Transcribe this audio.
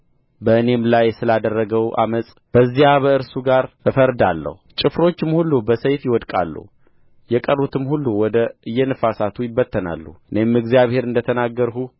በእኔም ላይ ስላደረገው ዓመፅ በዚያ ከእርሱ ጋር እፋረዳለሁ ጭፍሮቹም ሁሉ በሰይፍ ይወድቃሉ የቀሩትም ሁሉ ወደ እየነፋሳቱ ይበተናሉ እኔም እግዚአብሔር እንደ ተናገርሁ